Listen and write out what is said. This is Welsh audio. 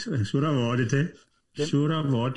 Siŵr o fod i ti, siŵr o fod.